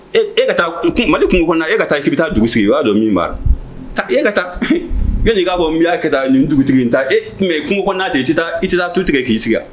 Ee e ka taa mali kungo kɔnɔ e ka taa k'i bɛ taa dugu sigi i b'a don minba e ka taa yan nin k' bɔ n b y'a kɛ taa nin dugutigi in ta e tun kungo kɔnɔ n'a de' i tɛ taa tu tigɛ k'i sigi